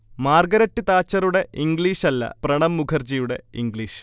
Margaret താച്ചറുടെ ഇംഗ്ലീഷല്ല, പ്രണബ് മുഖർജിയുടെ ഇംഗ്ലീഷ്